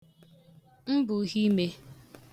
mbùhe imē